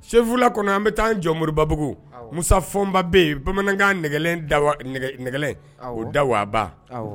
Serifula kɔnɔ an bɛ taa jɔ Moribabugu, awɔ, Musa Fɔnba bɛ yen bamanankan fɔ baa nsɛgɛlɛn o dawaba